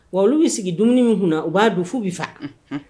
Wa olu bi sigi dumuni min kunna u b'a dun f'u bi fa unhun